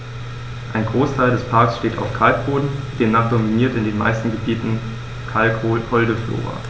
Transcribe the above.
Ein Großteil des Parks steht auf Kalkboden, demnach dominiert in den meisten Gebieten kalkholde Flora.